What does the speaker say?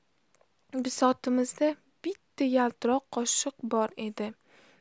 bisotimizda bitta yaltiroq qoshiq bor edi